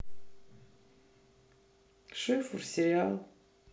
шифр сериал